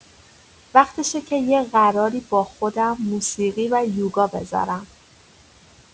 وقتشه که یه قراری با خودم، موسیقی و یوگا بذارم.